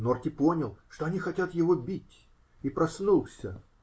Норти понял, что они хотят его бить, и проснулся.